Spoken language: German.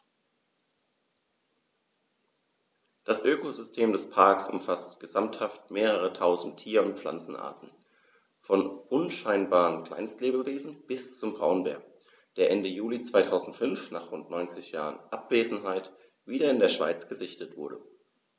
Das Ökosystem des Parks umfasst gesamthaft mehrere tausend Tier- und Pflanzenarten, von unscheinbaren Kleinstlebewesen bis zum Braunbär, der Ende Juli 2005, nach rund 90 Jahren Abwesenheit, wieder in der Schweiz gesichtet wurde.